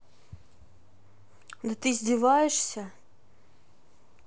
да ты издеваешься